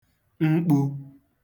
mkpū